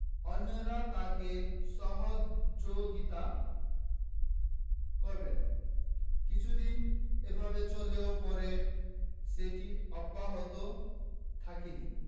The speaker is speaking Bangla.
অন্যরা তাঁকে সহযোগিতা করবেন কিছুদিন এভাবে চললেও পরে সেটি অব্যাহত থাকেনি